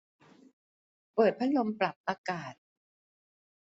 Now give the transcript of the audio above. เปิดพัดลมปรับอากาศ